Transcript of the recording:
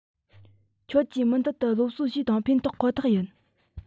ཁྱོད ཀྱིས མུ མཐུད དུ སློབ གསོ བྱོས དང ཕན ཐོགས ཁོ ཐག ཡིན